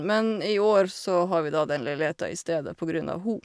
Men i år så har vi da den leiligheta i stedet på grunn av ho.